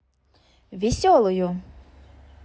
веселую